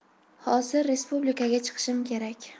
hozir respublikaga chiqishim kerak